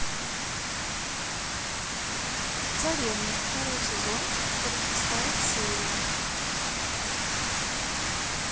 царевны второй сезон сорок шестая серия